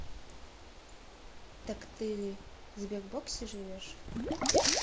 так ты в сбербоксе живешь